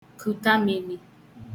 kùta mīnī